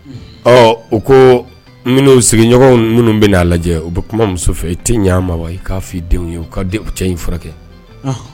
U ko n sigiɲɔgɔn minnu bɛ n'a lajɛ u bɛ kuma muso fɛ i' ɲɛ ma wa i k'a fɔ i denw ye ka cɛ in furakɛ